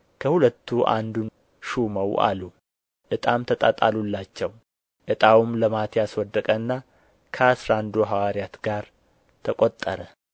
ከሁለቱ አንዱን ሹመው አሉ ዕጣም ተጣጣሉላቸው ዕጣውም ለማትያስ ወደቀና ከአሥራ አንዱ ሐዋርያት ጋር ተቈጠረ